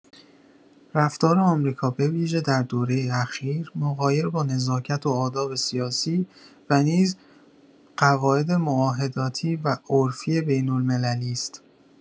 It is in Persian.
رفتار آمریکا به‌ویژه در دوره اخیر مغایر با نزاکت و آداب سیاسی و نیز قواعد معاهداتی و عرفی بین‌المللی است.